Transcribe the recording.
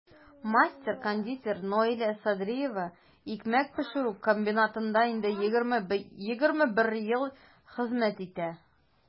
Мастер-кондитер Наилә Садриева икмәк пешерү комбинатында инде 21 ел хезмәт итә.